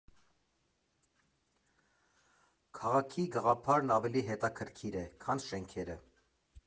Քաղաքի գաղափարն ավելի հետաքրքիր է, քան շենքերը։